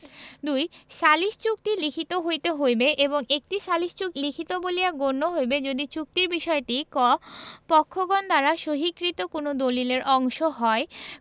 ২ সালিস চুক্তি লিখিত হইতে হইবে এবং একটি সালিস চুক্তি লিখিত বলিয়া গণ্য হইবে যদি চুক্তির বিষয়টি ক পক্ষগণ দ্বারা সহিকৃত কোন দলিলের অংশ হয়